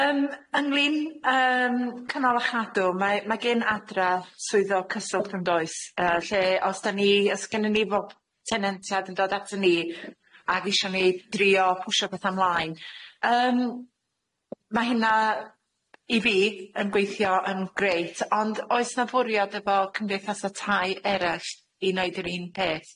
Yym ynglyn yym cynnal a chadw mae ma' gin adra swyddog cyswllt yndoes yy lle os dan ni os gynnon ni fob tenantiad yn dod ato ni, ag isio ni drio pwsio petha mlaen yym ma' hynna i fi yn gweithio yn grêt ond oes na fwriad efo cymdeithasau tai eryll i neud yr un peth.